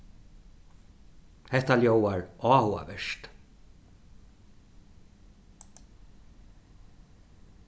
hetta ljóðar áhugavert